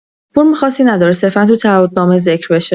فرم خاصی نداره صرفا تو تعهد نامه ذکر بشه